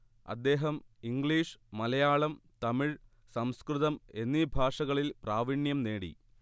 അദ്ദേഹം ഇംഗ്ലീഷ്, മലയാളം, തമിഴ്, സംസ്കൃതം എന്നീ ഭാഷകളിൽ പ്രാവീണ്യം നേടി